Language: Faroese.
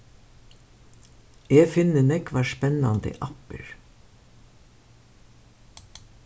eg finni nógvar spennandi appir